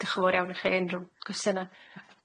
Diolch yn fowr iawn i chi unrhyw gwestiyna?